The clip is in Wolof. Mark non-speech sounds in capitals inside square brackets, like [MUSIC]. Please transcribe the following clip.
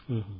[HESITATION] [HESITATION]